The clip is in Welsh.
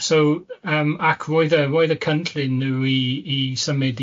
So yym, ac roedd y roedd y cynllun nhw i i symud i